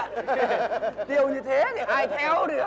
tiêu như thế thì ai theo được